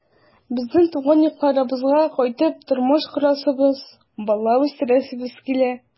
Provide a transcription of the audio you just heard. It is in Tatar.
Безнең туган якларыбызга кайтып тормыш корасыбыз, бала үстерәсебез килә.